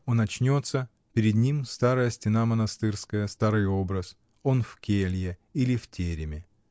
он очнется — перед ним старая стена монастырская, старый образ: он в келье или в тереме.